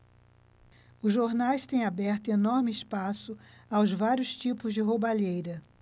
os jornais têm aberto enorme espaço aos vários tipos de roubalheira